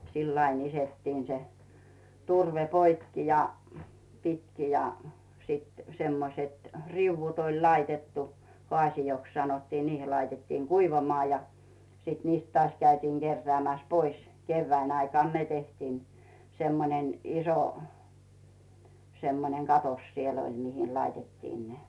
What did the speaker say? sillä aina iskettiin se turve poikki ja pitkin ja sitten semmoiset riu'ut oli laitettu haasioiksi sanottiin niihin laitettiin kuivamaan ja sitten niistä taas käytiin keräämässä pois kevään aikana ne tehtiin semmoinen iso semmoinen katos siellä oli mihin laitettiin ne